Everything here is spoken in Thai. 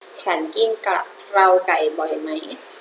ฉันกินกะเพราไก่บ่อยไหม